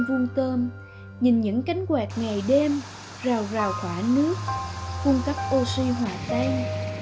đứng trên vuông tôm nhìn những cánh quạt ngày đêm rào rào khảo nước cung cấp ô xi hòa tan để tôm khỏe